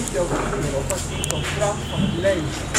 dook Hitler op als infiltrant van het leger